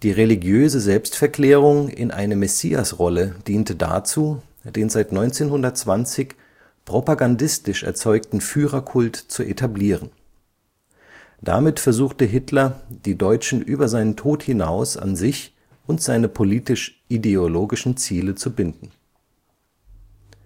religiöse Selbstverklärung in eine Messiasrolle diente dazu, den seit 1920 propagandistisch erzeugten Führerkult zu etablieren. Damit versuchte Hitler die Deutschen über seinen Tod hinaus an sich und seine politisch-ideologischen Ziele zu binden. Der